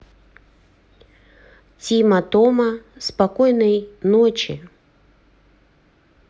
тима тома спокойной ночи